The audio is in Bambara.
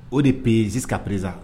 O de be yen jusqu'à présent